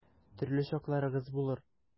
Төрле чакларыгыз булыр.